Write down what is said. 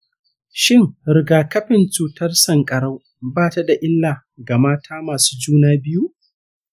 shin riga-kafin cutar sanƙarau bata da illa ga mata masu juna biyu?